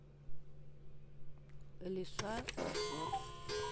лиса жжет